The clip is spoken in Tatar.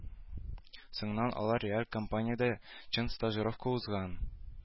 Соңыннан алар реаль компаниядә чын стажировка узган